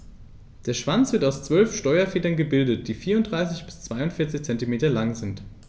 Der Schwanz wird aus 12 Steuerfedern gebildet, die 34 bis 42 cm lang sind.